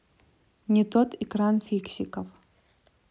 не тот экран фиксиков